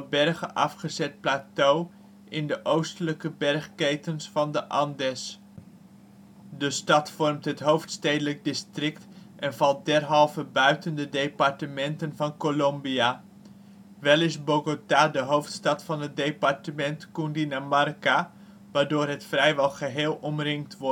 bergen afgezet plateau in de oostelijke bergketens van de Andes. De stad vormt het Hoofdstedelijk District en valt derhalve buiten de departementen van Colombia. Wel is Bogota de hoofdstad van het departement Cundinamarca, waardoor het vrijwel geheel omringd